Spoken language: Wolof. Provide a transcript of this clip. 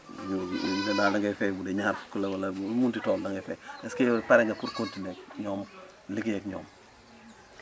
ñu ñu ne daal da ngay fay bu dee ñaar fukk la wala lu mu mënti toll da ngay fay est que yow pare nga pour continué ak ñoom liggéey ak ñoom